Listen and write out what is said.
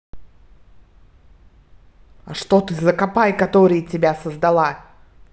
а что ты закопай которые тебя создала